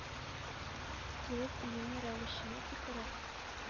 Тирес өеме рәвешенә китереп,